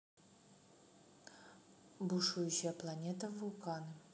бушующая планета вулканы